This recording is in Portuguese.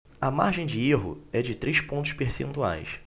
a margem de erro é de três pontos percentuais